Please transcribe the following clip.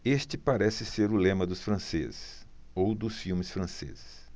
este parece ser o lema dos franceses ou dos filmes franceses